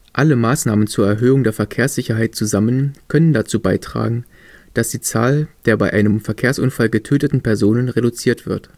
Alle Maßnahmen zur Erhöhung der Verkehrssicherheit zusammen können dazu beitragen, dass die Zahl der bei einem Verkehrsunfall getöteten Personen reduziert wird